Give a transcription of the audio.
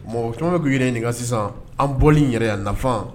Mɔgɔ caman bɛ k'u yɛrɛ ɲininka sisan, an bɔli in yɛrɛ a nafa